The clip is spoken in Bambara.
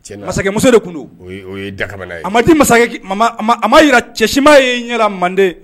Cɛ masakɛmuso de tun don o ye daka ye a ma masakɛ a ma jira cɛsi ye ɲɛ mande